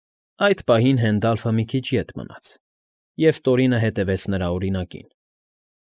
Այդ պահին Հենդալֆը մի քիչ ետ մնաց, և Տորինը հետևեց նրա օրինակին։